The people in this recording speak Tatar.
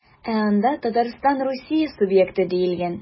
Ә анда Татарстан Русия субъекты диелгән.